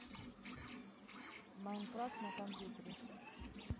майнкрафт на компьютере